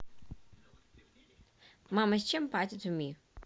мама с чем party to me